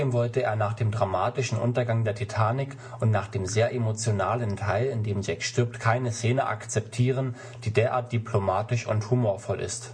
wollte er nach dem dramatischen Untergang der Titanic und nach dem sehr emotionalen Teil, in dem Jack stirbt, keine Szene akzeptieren, die derart diplomatisch und humorvoll ist